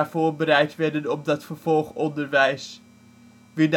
voorbereid werden op dat vervolgonderwijs. Wie